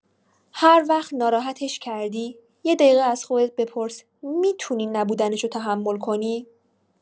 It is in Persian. هر وقت ناراحتش کردی یه دقیقه از خودت بپرس می‌تونی نبودنشو تحمل کنی؟